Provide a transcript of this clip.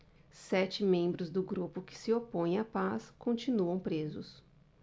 sete membros do grupo que se opõe à paz continuam presos